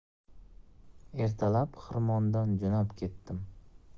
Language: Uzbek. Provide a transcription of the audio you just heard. ertalab xirmondan jo'nab ketdim